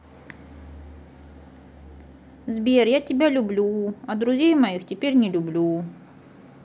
сбер я тебя люблю а друзей моих теперь не люблю